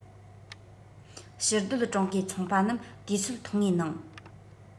ཕྱིར སྡོད ཀྲུང གོའི ཚོང པ རྣམས དུས ཚོད ཐུང ངུའི ནང